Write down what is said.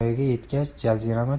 voyaga yetgach jazirama